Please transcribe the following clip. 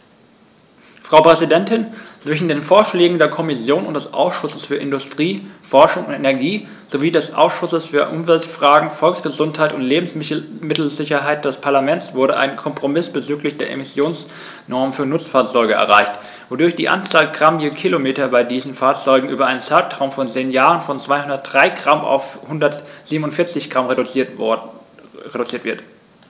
Frau Präsidentin, zwischen den Vorschlägen der Kommission und des Ausschusses für Industrie, Forschung und Energie sowie des Ausschusses für Umweltfragen, Volksgesundheit und Lebensmittelsicherheit des Parlaments wurde ein Kompromiss bezüglich der Emissionsnormen für Nutzfahrzeuge erreicht, wodurch die Anzahl Gramm je Kilometer bei diesen Fahrzeugen über einen Zeitraum von zehn Jahren von 203 g auf 147 g reduziert wird.